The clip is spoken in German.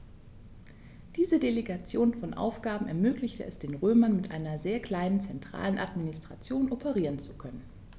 Diese Delegation von Aufgaben ermöglichte es den Römern, mit einer sehr kleinen zentralen Administration operieren zu können.